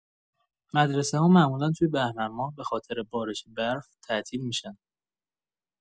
مدرسه‌ها معمولا توی بهمن‌ماه به‌خاطر بارش برف تعطیل می‌شن.